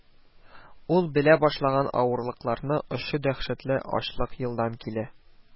Ул белә башлаган авырлыкларның очы дәһшәтле ачлык елдан килә